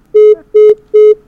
H